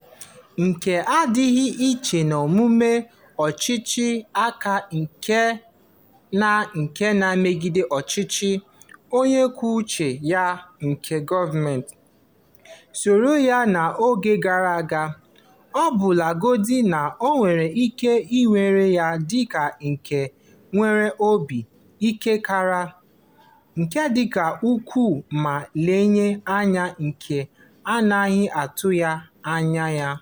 Nke a adịghị iche n'omume ọchịchị aka ike na nke na-emegide ọchịchị onye kwuo uche ya nke gọọmentị sonyere n'oge gara aga, ọbụlagodi na e nwere ike iwere ya dị ka nke nwere obi ike karịa, nke dị ukwuu ma eleghị anya nke a na-atụghị anya ya.